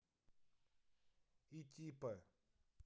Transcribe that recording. и типа